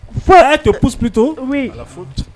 Fo' tɔ kubi to